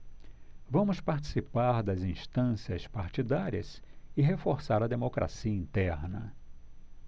vamos participar das instâncias partidárias e reforçar a democracia interna